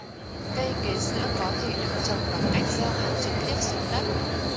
cây kế sữa có thể được trồng bằng cách gieo hạt trực tiếp xuống đất